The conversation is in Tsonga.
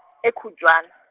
e- Khujwana.